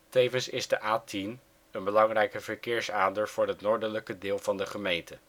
Tevens is de A10 een belangrijke verkeersader voor het noordelijke deel van de gemeente